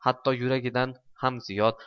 hatto keragidan ham ziyod